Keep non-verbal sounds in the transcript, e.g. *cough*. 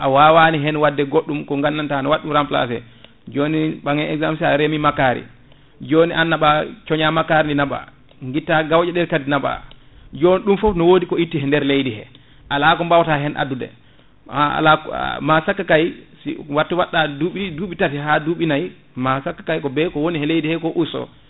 a wawani hen wadde goɗɗum ko gandanta ne watɗum remplacé joni *smacks lips* ɓamen exemple sa reemi makkari *smacks lips* joni an naɓa coña makkari ndi naɓa guitta gawƴe ɗe kadi naɓa *smacks lips* joni ɗum foof ne wodi ko itti e nder leydi he *smacks lips* ala ko bawta hen addude *hesitation* ala ko ma sakka kay si watti to waɗɗa duuɓi tati ha duuɓi nayyi ma sakka kay ko bey ko woni e leydi ko usto